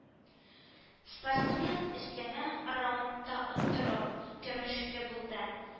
Спортсмен өстәмә раунда оттырып, “көмешле” булды